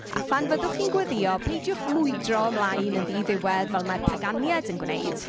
A phan fyddwch chi'n gweddïo, peidiwch mwydro ymlaen yn ddi-ddiwedd fel mae'r Paganiad yn gwneud.